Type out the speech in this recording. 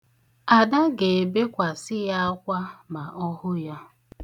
Ada ga-ebekwasị ya akwa ma ọ hụ ya.